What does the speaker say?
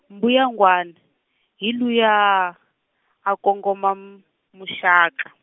mbuyangwana hi luyaa a kongoma m-, muxaka.